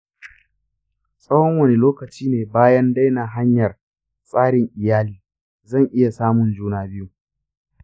tsawon wane lokaci ne bayan daina hanyar tsarin iyali zan iya samun juna biyu?